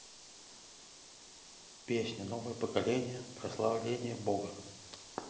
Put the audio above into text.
песня новое поколение прославление бога